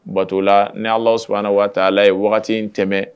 Bato la ni ala sɔnna waatila ye wagati in tɛmɛ